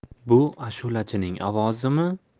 bu ashulachining ovozimi